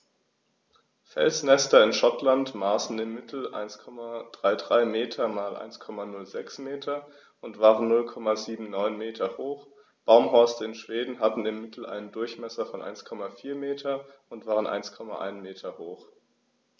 Felsnester in Schottland maßen im Mittel 1,33 m x 1,06 m und waren 0,79 m hoch, Baumhorste in Schweden hatten im Mittel einen Durchmesser von 1,4 m und waren 1,1 m hoch.